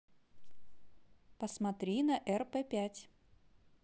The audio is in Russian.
посмотри на рп пять